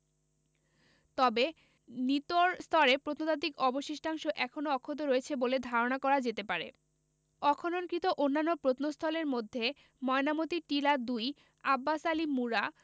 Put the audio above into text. তবে নিতর স্তরে প্রত্নতাত্ত্বিক অবশিষ্টাংশ এখনও অক্ষত রয়েছে বলে ধারণা করা যেতে পারে অখননকৃত অন্যান্য প্রত্নস্থলের মধ্যে ময়নামতি টিলা ২ আব্বাস আলী মুড়া